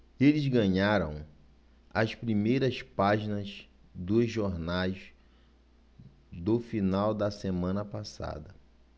eles ganharam as primeiras páginas dos jornais do final da semana passada